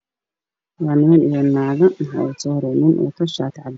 Waa niman oo is soo raceen shaati cad